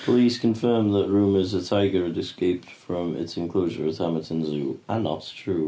Police confirm that rumors a tiger had escaped from its enclosure at Hamerton Zoo are not true.